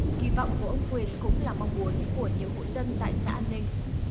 kỳ vọng của ông quyền cũng là mong muốn của nhiều hộ dân tại xã an ninh